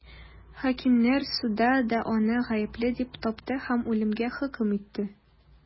Хакимнәр суды да аны гаепле дип тапты һәм үлемгә хөкем итте.